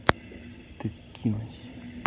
ты вкинусь